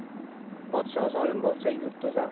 podsho zolim bo'lsa yurt to'zar